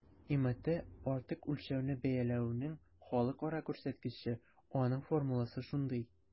ИМТ - артык үлчәүне бәяләүнең халыкара күрсәткече, аның формуласы шундый: